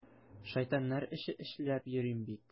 Шайтаннар эше эшләп йөрим бит!